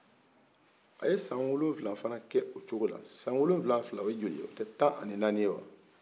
a ye san wolonwula fana kɛ o cogo la san wolonwula fila o ye joli ye o tɛ tan ni naani ye wa